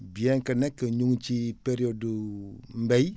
bien que nag ñu ngi ci période du mbéy